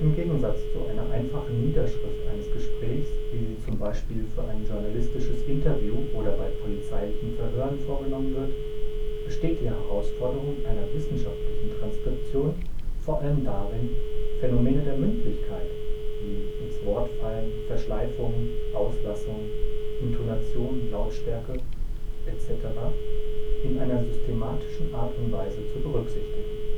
Gegensatz zu einer einfachen „ Niederschrift “eines Gesprächs, wie sie z. B. für ein journalistisches Interview oder bei polizeilichen Verhören vorgenommen wird, besteht die Herausforderung einer wissenschaftlichen Transkription vor allem darin, Phänomene der Mündlichkeit (wie „ Ins-Wort-Fallen “, Verschleifungen, Auslassungen, Intonation, Lautstärke etc.) in einer systematischen Art und Weise zu berücksichtigen